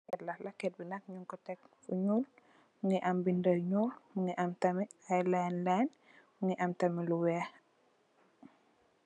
Leket la mu am binda yi nuul, mu am ay line, line mu am tehmi bu weex.